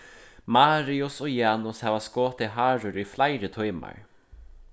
marius og janus hava skotið harur í fleiri tímar